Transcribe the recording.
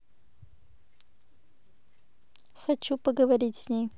хочу поговорить с ней